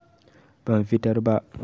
Ban fitar ba.”